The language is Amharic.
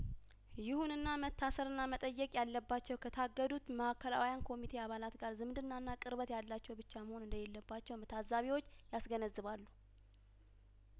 ይሁንና መታሰርና መጠየቅ ያለባቸው ከታገዱት ማእከላዊ ኮሚቴ አባላት ጋር ዝምድናና ቅርበት ያላቸው ብቻ መሆን እንደሌለባቸውም ታዛቢዎች ያስገነዝባሉ